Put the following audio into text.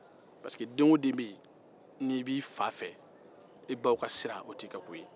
den o den b'i fa fe i baw ka sira t'i ka ko ye